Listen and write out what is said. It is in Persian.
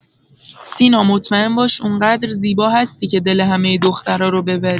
سینا مطمئن باش اون قدر زیبا هستی که دل همه دخترا رو ببری.